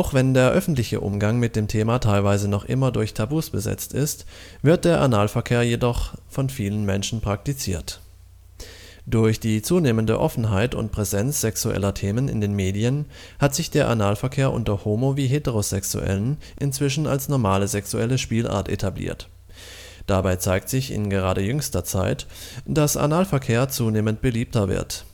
wenn der öffentliche Umgang mit dem Thema teilweise noch immer durch Tabus besetzt ist, wird der Analverkehr doch von vielen Menschen praktiziert. Durch die zunehmende Offenheit und Präsenz sexueller Themen in den Medien hat sich der Analverkehr unter Homo - wie Heterosexuellen inzwischen als normale sexuelle Spielart etabliert. Dabei zeigt sich in gerade jüngster Zeit, das Analverkehr zunehmend beliebter wird